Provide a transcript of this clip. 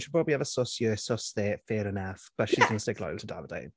she'll probably have a sws here, a sws there - fair enough but... Ie. ...she's going to stick loyal to Davide.